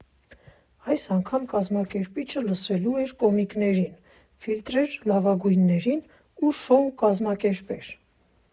Այս անգամ կազմակերպիչը լսելու էր կոմիկներին, ֆիլտրեր լավագույններին ու շոու կազմակերպեր։